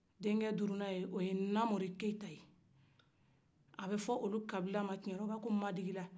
den cɛ duru nan o ye namori keita a bɛ fɔ olu kabila ma ko madikila